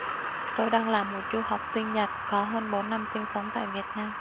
tôi đang là một du học sinh nhật có hơn bốn năm sinh sống tại việt nam